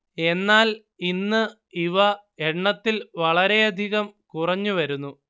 എന്നാൽ ഇന്ന് ഇവ എണ്ണത്തിൽ വളരെയധികം കുറഞ്ഞു വരുന്നു